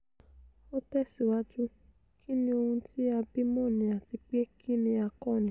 Ó tẹ̀síwájú: Kínni ohun tí a bímọ́ni àtipé kínni a kọ́ni?